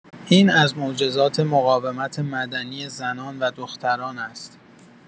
این از معجزات مقاومت مدنی زنان و دختران است.